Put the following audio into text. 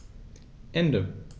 Ende.